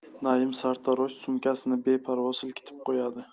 naim sartarosh sumkasini beparvo silkitib qo'yadi